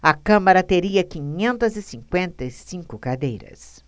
a câmara teria quinhentas e cinquenta e cinco cadeiras